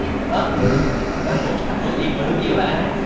ớ ủa gì người đứng ở giữa là ai